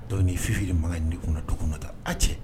A dɔn n' fifitiri makan ni kun to kɔnɔta a cɛ